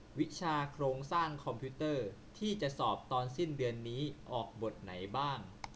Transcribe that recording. วิชาโครงสร้างคอมพิวเตอร์ที่จะสอบตอนสิ้นเดือนนี้ออกบทไหนบ้าง